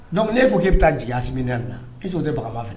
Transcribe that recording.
Donc n'e ko k'e bɛ taa jigin Asimi na nin na, est ce que o tɛ baganma fɛ